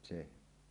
se